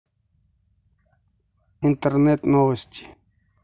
интернет новости